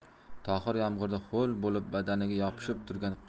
tohir yomg'irda ho'l bo'lib badaniga yopishib turgan